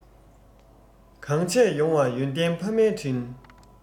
གང བྱས ཡོང བའི ཡོན ཏན ཕ མའི དྲིན